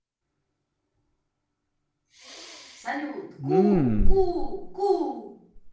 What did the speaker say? салют ку ку ку